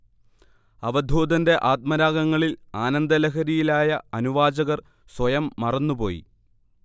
അവധൂതന്റെ ആത്മരാഗങ്ങളിൽ ആനന്ദലഹരിയിലായ അനുവാചകർ സ്വയം മറന്നുപോയി